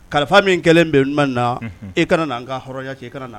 Kalifa min kɛlen bɛ na e kana na an ka hɔrɔnya cɛ e kana na